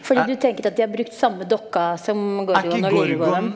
fordi du tenker at de har brukt samme dokka som Gorgon og lille-Gorgon?